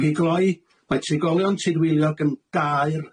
Ag i gloi mae teigolion Tudweiliog yn daer